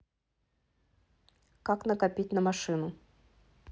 как накопить на машину